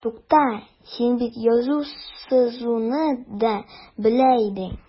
Тукта, син бит язу-сызуны да белә идең.